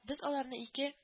Без аларны ике